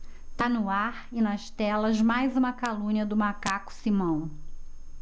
tá no ar e nas telas mais uma calúnia do macaco simão